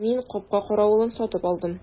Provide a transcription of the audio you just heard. Мин капка каравылын сатып алдым.